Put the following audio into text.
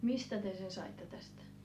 mistä te sen saitte tästä